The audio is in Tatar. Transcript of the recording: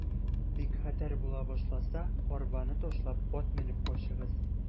Бик хәтәр була башласа, арбаны ташлап, ат менеп качыгыз.